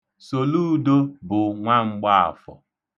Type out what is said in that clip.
Soludo bụ nwa Mgbaafọ.